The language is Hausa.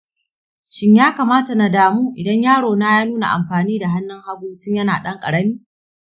shin ya kamata na damu idan yarona ya nuna amfani da hannun hagu tun yana ɗan ƙarami?